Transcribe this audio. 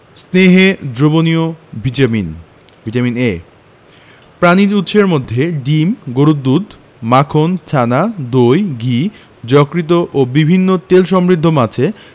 স্নেহে দ্রবণীয় vitamin vitamin A প্রাণিজ উৎসের মধ্যে ডিম গরুর দুধ মাখন ছানা দই ঘি যকৃৎ ও বিভিন্ন তেলসমৃদ্ধ মাছে